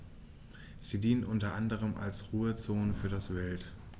Sie dienen unter anderem als Ruhezonen für das Wild.